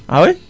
ah oui